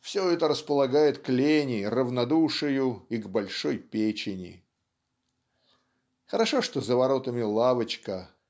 все это располагает к лени, равнодушию и к большой печени". Хорошо, что за воротами лавочка